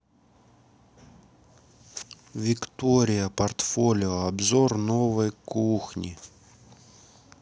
виктория портфолио обзор новой кухни